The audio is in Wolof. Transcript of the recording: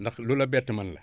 ndax lu la bett mën la